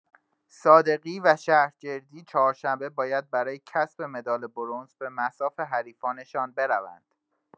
صادقی و شهرجردی چهارشنبه باید برای کسب مدال برنز به مصاف حریفانشان بروند.